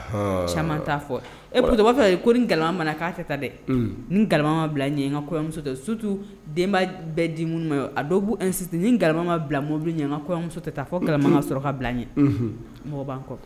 Caman t'a fɔ b'a fɛ yen ko ni gama mana' tɛ taa dɛ ni gama bila ɲɛ n kamuso tɛ sutu denba bɛ di minnu ma ye a dɔw b' sisan ni gama bila mobili ɲɛ n ka kɔyɔmuso tɛ taa fɔma ka sɔrɔ ka bila n ɲɛ mɔ b'an kɔ